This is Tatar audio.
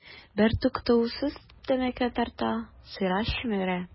Бертуктаусыз тәмәке тарта, сыра чөмерә.